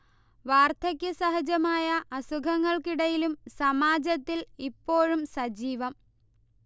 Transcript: വാർധക്യസഹജമായ അസുഖങ്ങൾക്കിടയിലും സമാജത്തിൽ ഇപ്പോഴും സജീവം